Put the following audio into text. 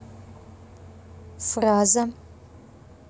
фраза